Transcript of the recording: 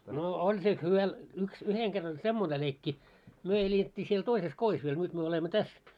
no oli siellä hyvä yksi yhden kerran oli semmoinen leikki me elettiin siellä toisessa kodissa vielä nyt me olemme tässä